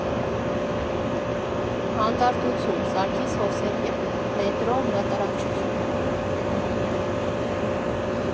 «Հանդարտություն», Սարգիս Հովսեփյան, Մետրո հրատարակչություն։